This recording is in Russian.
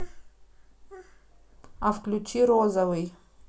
а включи розовый